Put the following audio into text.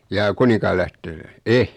jaa Kuninkaanlähte- en